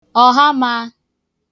ọ̀hamaā